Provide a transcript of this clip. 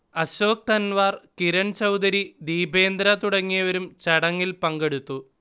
അശോക് തൻവാർ, കിരൺ ചൗധരി, ദീപേന്ദ്ര തുടങ്ങിയവരും ചടങ്ങിൽ പങ്കെടുത്തു